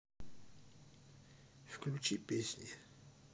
выключи песни